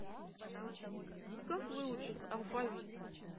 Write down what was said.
как выучить алфавит